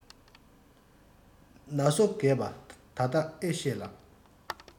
ན སོ རྒས པ ད ལྟ ཨེ ཤེས ལ